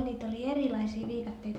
niitä oli erilaisia viikatteita